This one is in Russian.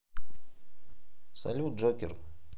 салют джокер